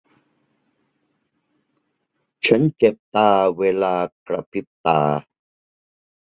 ฉันเจ็บตาเวลากระพริบตา